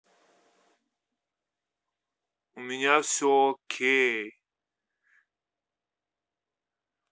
у меня все окей